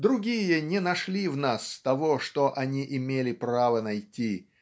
Другие не нашли в нас того, что они имели право найти